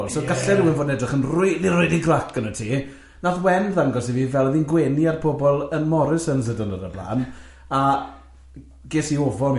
So gallai rwun fod yn edrych yn rili rili grac arnot ti, wnaeth Wen ddangos i fi fel oedd hi'n gwenu ar pobol yn Morrisons y diwrnod o'r blaen, a ges i ofon i.